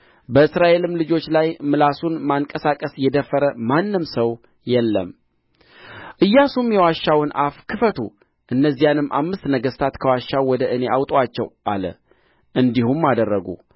በእስራኤል ልጆች ላይ ምላሱን ማንቀሳቀስ የደፈረ ማንም ሰው የለም ኢያሱም የዋሻውን አፍ ክፈቱ እነዚያንም አምስት ነገሥታት ከዋሻው ወደ እኔ አውጡአቸው አለ እንዲህም አደረጉ